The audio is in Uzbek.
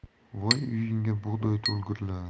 voy uyingga bug'doy to'lgurlar